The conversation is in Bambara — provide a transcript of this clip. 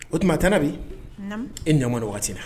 O tuma a t bi e nɔ waati na